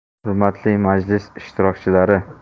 hurmatli majlis ishtirokchilari